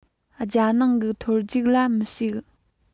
རྒྱལ ནང གི མཐོ རྒྱུགས ལ མི ཞུགས